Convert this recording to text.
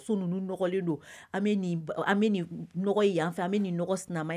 Bɛ yan fɛ bɛ nin